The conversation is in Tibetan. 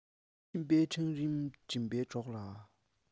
ཕྱི མའི འཕྲང རིང འགྲིམ པའི གྲོགས ལ